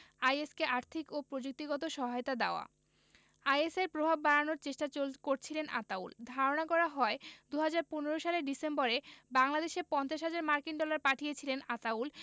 is কে আর্থিক ও প্রযুক্তিগত সহায়তা দেওয়া আইএসের প্রভাব বাড়ানোর চেষ্টা করছিলেন আতাউল ধারণা করা হয় ২০১৫ সালের ডিসেম্বরে বাংলাদেশে ৫০ হাজার মার্কিন ডলার পাঠিয়েছিলেন আতাউল